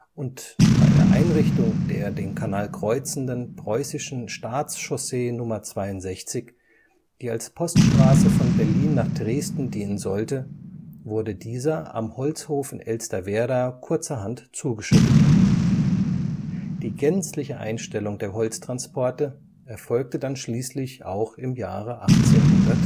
Und bei der Einrichtung der den Kanal kreuzenden Preußischen Staatschaussee Nr. 62, die als Poststraße von Berlin nach Dresden dienen sollte, wurde dieser am Holzhof in Elsterwerda kurzerhand zugeschüttet. Die gänzliche Einstellung der Holztransporte erfolgte dann schließlich auch im Jahre 1833